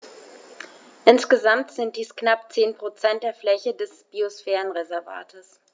Insgesamt sind dies knapp 10 % der Fläche des Biosphärenreservates.